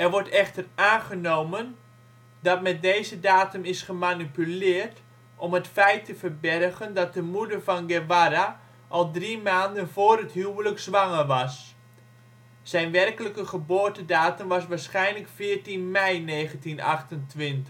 wordt echter aangenomen, dat met deze datum is gemanipuleerd om het feit te verbergen dat de moeder van Guevara al drie maanden voor het huwelijk zwanger was. Zijn werkelijke geboortedatum was waarschijnlijk 14 mei 1928